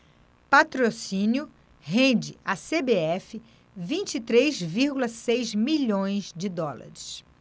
patrocínio rende à cbf vinte e três vírgula seis milhões de dólares